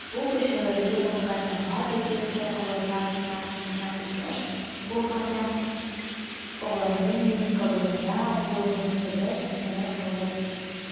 Бу кешеләрдә алга таба, бигрәк тә аларга 15-16 яшь булганда, аларның ми кабыгына бу мөнәсәбәт сеңеп кала бит.